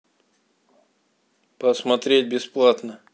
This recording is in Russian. посмотреть бесплатно